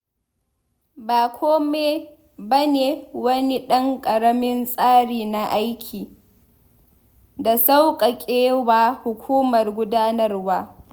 Ba kome ba ne wani ɗan ƙaramin tsari na aiki, da sauƙaƙe wa hukumar gudanarwa.